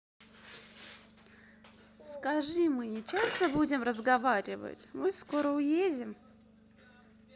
скажи мы не часто будем разговаривать мы скоро уедем